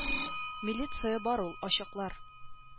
Милиция бар ул ачыклар